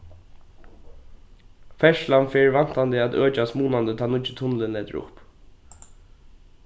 ferðslan fer væntandi at økjast munandi tá nýggi tunnilin letur upp